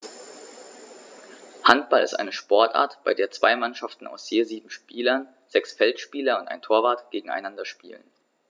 Handball ist eine Sportart, bei der zwei Mannschaften aus je sieben Spielern (sechs Feldspieler und ein Torwart) gegeneinander spielen.